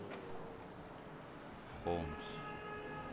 хомс